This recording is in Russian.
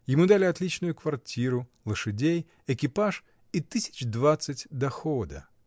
Ему дали отличную квартиру, лошадей, экипаж и тысяч двадцать дохода.